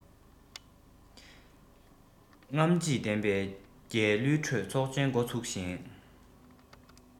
རྔམ བརྗིད ལྡན པའི རྒྱལ གླུའི ཁྲོད ཚོགས ཆེན འགོ ཚུགས ཤིང